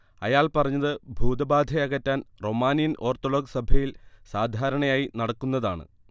അയാൾ പറഞ്ഞത് ഭൂതബാധയകറ്റാൻ റൊമാനിയൻ ഓർത്തഡോക്സ് സഭയിൽ സാധാരണയായി നടക്കുന്നതാണ്